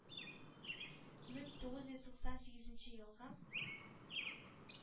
Мең тугыз йөз туксан сигезенче елгы